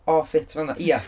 o, ffit fel'na? Ia.